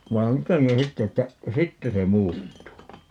vaan jotenkin sitten että sitten se muuttuu